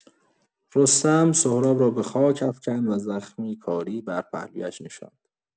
رستم، سهراب را به خاک افکند و زخمی کاری بر پهلویش نشاند.